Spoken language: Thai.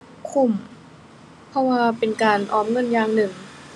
คุ้ม เพราะว่าเป็นการออมเงินอย่างหนึ่ง